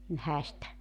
mm häistä